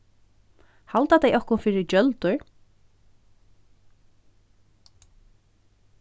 halda tey okkum fyri gjøldur